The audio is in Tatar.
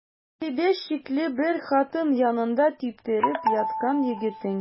Тәртибе шикле бер хатын янында типтереп яткан егетең.